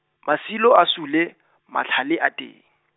masilo a sule, matlhale a teng.